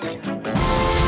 sĩ